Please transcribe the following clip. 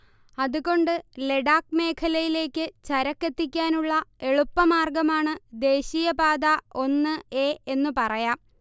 അതുകൊണ്ട് ലഡാക് മേഖലയിലേക്ക് ചരക്കെത്തിക്കാനുള്ള എളുപ്പമാർഗ്ഗമാണ് ദേശീയ പാത ഒന്ന് എ എന്നു പറയാം